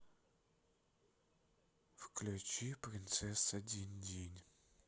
включи принцесса динь динь